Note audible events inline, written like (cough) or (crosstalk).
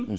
(hesitation) (hesitation)